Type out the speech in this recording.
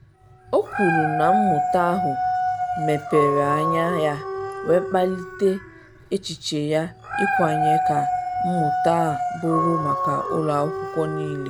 O kwuru na mmụta ahụ mepere anya ya wee kpalite echiche ya ịkwanye ka mmụta a bụrụ maka ụlọ akwụkwọ niile.